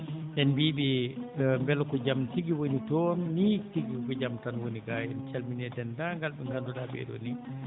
en mbiyii ɓe mbela ko jam jogii on toon ni siibi ko jaam tan woni gay en calminii denndaangal ɓe ngannduɗaa ɓee ɗoo nii